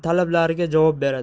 talablariga javob beradi